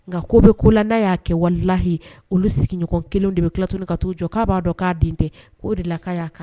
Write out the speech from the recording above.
Nka ko bɛ ko lada y'a kɛ walilayi olu sigiɲɔgɔn kelen de bɛ tilat ka t'u jɔ k'a b'a dɔn k'a den tɛ k'o de la'a kan